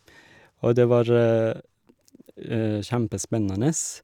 Og det var kjempespennende.